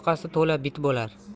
yoqasi to'la bit bo'lar